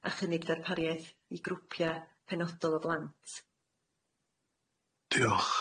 a chynnig darpariaeth i grwpia' penodol o blant... Diolch.